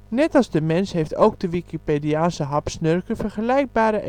Net als de mens heeft ook de Wikipediaanse hapsnurker vergelijkbare